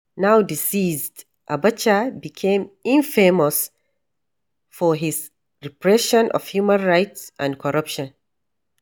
Now deceased, Abacha became infamous for his repression of human rights and corruption.